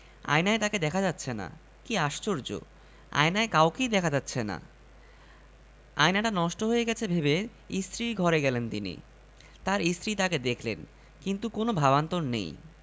হ্যাঁ হ্যাঁ স্বপ্ন একটা দেখেছিলাম কিন্তু সেটা কি আপনাকে বলা ঠিক হবে স্বপ্নের কথা ওঠায় লজ্জায় লাল হয়ে গেলেন মন্ত্রী মহোদয়